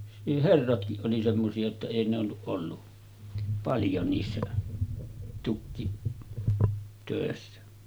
niin herratkin oli semmoisia jotta ei ne ollut ollut paljon niissä tukkitöissä